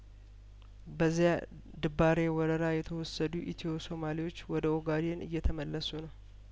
በዚያድባሬ ወረራ የተወሰዱ ኢትዮ ሱማሌዎች ወደ ኦጋዴን እየተመለሱ ነው